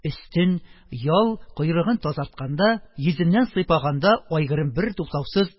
Өстен, ял, койрыгын тазартканда, йөзеннән сыйпаганда, айгырым бертуктаусыз